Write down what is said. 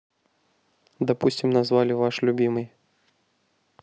допустим назвали ваш любимый